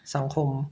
สังคม